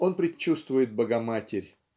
он предчувствует Богоматерь